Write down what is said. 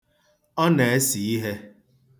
Ọ na-ese ihe.